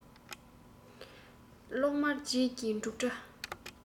གློག དམར རྗེས ཀྱི འབྲུག སྒྲས